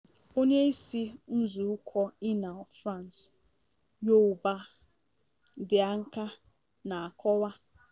Onyeisi Nzukọ Inal-France, Youba Dianka, na-akọwa: